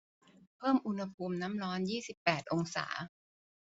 เพิ่มอุณหภูมิน้ำร้อนยี่สิบแปดองศา